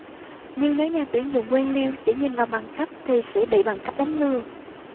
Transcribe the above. nhưng nếu nhà tuyển dụng quan liêu chỉ nhìn vào bằng cấp thì sẽ bị bằng cấp đánh lừa